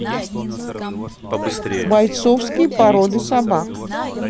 бойцовские породы собак